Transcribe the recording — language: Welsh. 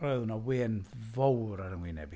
Roedd yna wên fowr ar yn wyneb i.